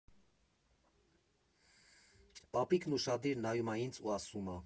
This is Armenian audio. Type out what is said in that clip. Պապիկն ուշադիր նայումա ինձ ու ասում ա.